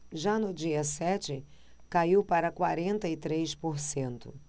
já no dia sete caiu para quarenta e três por cento